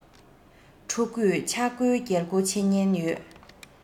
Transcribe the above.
ཕྲུ གུས ཆག སྒོའི རྒྱལ སྒོ ཕྱེ ཉེན ཡོད